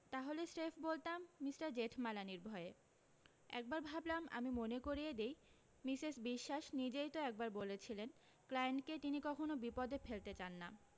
তাহলে স্রেফ বলতাম মিষ্টার জেঠমালানির ভয়ে একবার ভাবলাম আমি মনে করিয়ে দিই মিসেস বিশ্বাস নিজই তো একবার বলেছিলেন ক্লায়েণ্টকে তিনি কখনো বিপদে ফেলতে চান না